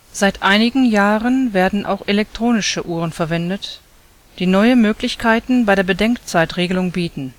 Seit einigen Jahren werden auch elektronische Uhren verwendet, die neue Möglichkeiten bei der Bedenkzeitregelung bieten